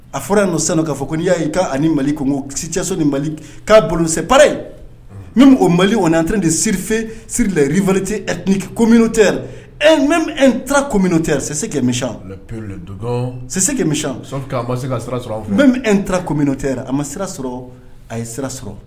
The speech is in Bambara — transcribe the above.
A fɔra don sanu k'a fɔ n' y'a ye k'a ni mali ko si cɛso ni mali k'a bolokisɛprɛre o mali kɔni ant de sife si lap tɛ et komin tɛ e komintɛse ka misise ka se kamin tɛ a ma sira sɔrɔ a ye sira sɔrɔ